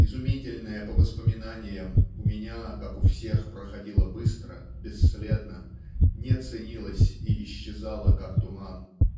изумительное по воспоминаниям у меня как у всех проходило быстро бесследно не ценилось и исчезало как туман.